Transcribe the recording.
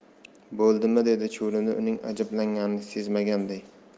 bo'ldimi dedi chuvrindi uning ajablanganini sezmaganday